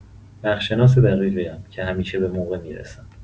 وقت‌شناس دقیقی‌ام که همیشه به‌موقع می‌رسم.